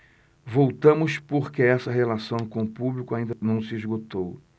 voltamos porque essa relação com o público ainda não se esgotou